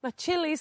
Ma' chilis...